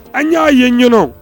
An y'a ye ɲɔ